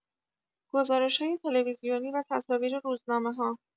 گزارش‌های تلویزیونی و تصاویر روزنامه‌ها